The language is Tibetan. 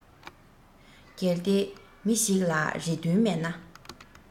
གལ ཏེ མི ཞིག ལ རེ འདུན མེད ན